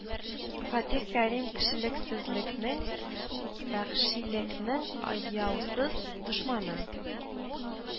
Фатих Кәрим кешелексезлекнең, вәхшилекнең аяусыз дошманы